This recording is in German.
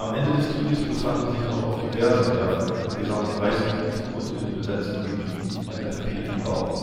Ende des Krieges befanden sich noch auf diversen Werften im gesamten Reichsgebiet und in besetzten Gebieten MFP in Bau